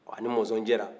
ɔ a ni mɔnzɔn jɛra